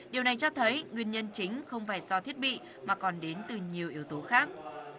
điều này cho thấy nguyên nhân chính không phải do thiết bị mà còn đến từ nhiều yếu tố khác